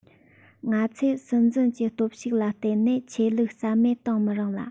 ང ཚོས སྲིད འཛིན གྱི སྟོབས ཤུགས ལ བརྟེན ནས ཆོས ལུགས རྩ མེད གཏོང མི རུང ལ